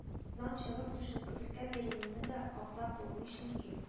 Нан чыгып, төшенкелеккә бирелүне дә аклап булмый, чөнки